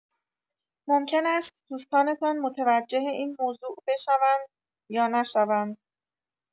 ممکن است دوستانتان متوجه این موضوع بشوند یا نشوند.